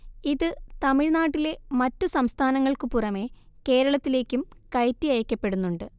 ഇത് തമിഴ്‌നാട്ടിലെ മറ്റു സംസ്ഥാനങ്ങൾക്കു പുറമേ കേരളത്തിലേക്കും കയറ്റി അയക്കപ്പെടുന്നുണ്ട്